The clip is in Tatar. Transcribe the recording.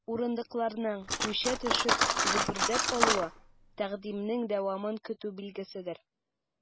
Урындыкларның, күчә төшеп, дөбердәп алуы— тәкъдимнең дәвамын көтү билгеседер.